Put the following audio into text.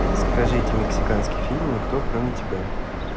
скажите мексиканский фильм никто кроме тебя